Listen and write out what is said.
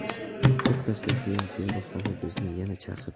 birpasdan keyin zebi xola bizni yana chaqirdi